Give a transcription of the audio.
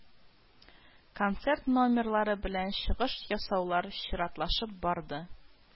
Концерт номерлары белән чыгыш ясаулар чиратлашып барды